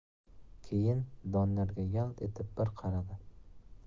keyin doniyorga yalt etib bir qaradi